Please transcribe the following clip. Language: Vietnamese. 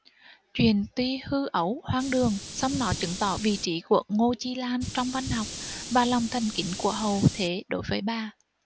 chuyện tuy hư ấu hoang đường song nó chứng tỏ vị trí của ngô chi lan trong văn học và lòng thành kính của hậu thế đối với bà